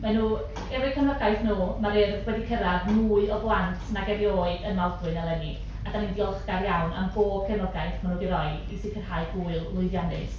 Maen nhw... efo'u cefnogaeth nhw, mae'r Urdd wedi cyrraedd mwy o blant nag erioed yn Maldwyn eleni, a dan ni'n ddiolchgar iawn am bob cefnogaeth maen nhw 'di roi i sicrhau gŵyl lwyddiannus.